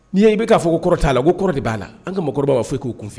N'i ye i bɛ k'a fɔ ko kɔrɔ t'a la nko kɔrɔ de b'a la an ka makokɔrɔbaw y'a fɔ u ye ko